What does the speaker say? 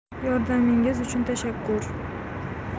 yordamingiz uchun tashakkur